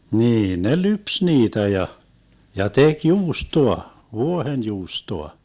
niin ne lypsi niitä ja ja teki juustoa vuohenjuustoa